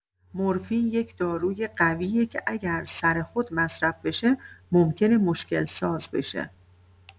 مرفین یه داروی قویه که اگه سر خود مصرف بشه، ممکنه مشکل‌ساز بشه.